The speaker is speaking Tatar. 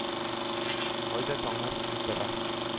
Кайда таңнар сыздыра;